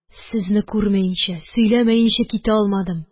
Сезне күрмәенчә, сөйләмәенчә китә алмадым